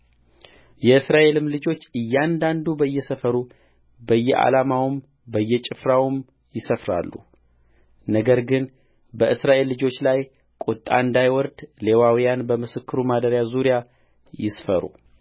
የእስራኤልም ልጆች እያንዳንዱ በየሰፈሩ በየዓላማውም በየጭፍራውም ይሰፍራሉነገር ግን በእስራኤል ልጆች ላይ ቍጣ እንዳይወርድ ሌዋውያን በምስክሩ ማደሪያ ዙሪያ ይስፈሩ